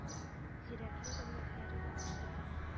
Зирәклек үрнәкләре дә күрсәтә.